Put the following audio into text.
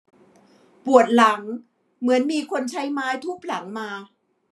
ปวดหลังเหมือนมีคนใช้ไม้ทุบหลังมา